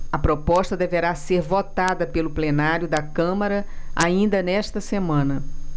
a proposta deverá ser votada pelo plenário da câmara ainda nesta semana